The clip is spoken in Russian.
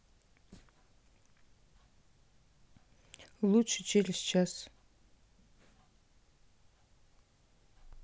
лучше через час